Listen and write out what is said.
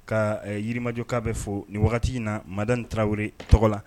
Ka yirimajɔ k'a bɛ fɔ nin wagati in na ma ni tarawele tɔgɔ la